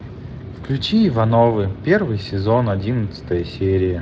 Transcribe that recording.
включи ивановы первый сезон одиннадцатая серия